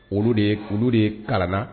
Olu de olu de kalana